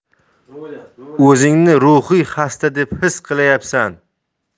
o'zingni ruhiy xasta deb his qilyapsan